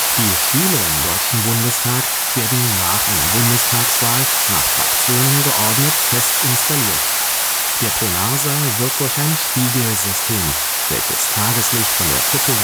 Die Stühle im Deutschen Bundestag werden nach einer Bundestagswahl nach Fraktionen geordnet fest installiert. Der Plenarsaal wird durch ein Spiegelsystem, welches Tageslicht von der Kuppel